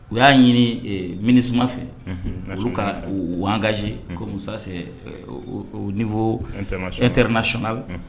U y'a ɲini MINUSMA fɛ olu ka u ''engagé komi ça c'est au niveau international